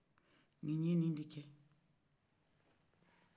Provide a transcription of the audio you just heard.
ni ye ni de kɛ